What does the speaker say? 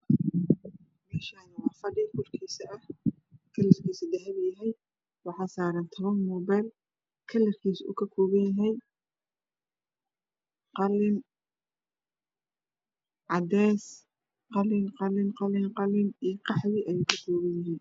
Meshan waa fadhi korkiisa ah kakarkiisa dahapi yahay waxaa saran topan mopeel kalrkiisa uu kakopan yahy qalin cadees qalin iyo qaxwi ayuu kakoopan yahy